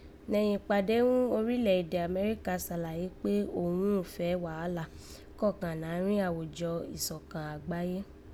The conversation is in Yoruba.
Nẹ̀yìn ìpàdé ń orílẹ̀ èdè Amẹ́ríkà sàlàyé kpé òghún fẹ̀ẹ́ wàhálà kọ́kàn nàárín àwùjọ ìsọ̀kan àgbáyé